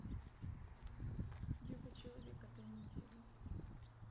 девка человеке этой недели